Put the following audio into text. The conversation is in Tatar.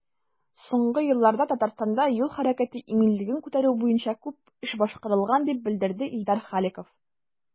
Соңгы елларда Татарстанда юл хәрәкәте иминлеген күтәрү буенча күп эш башкарылган, дип белдерде Илдар Халиков.